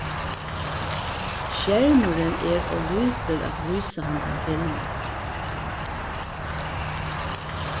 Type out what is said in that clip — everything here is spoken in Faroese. skermurin er ov lítil at vísa handan filmin